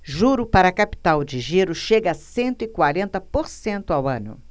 juro para capital de giro chega a cento e quarenta por cento ao ano